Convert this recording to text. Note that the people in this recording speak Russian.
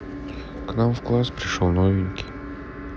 к нам в класс пришел новенький